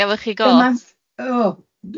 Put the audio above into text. Gafo chi go?